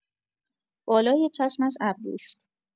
بالای چشمش ابروست